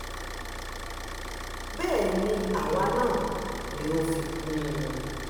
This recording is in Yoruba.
Bẹ́ẹ̀ni àwa náà,'' ni ó fi kún un.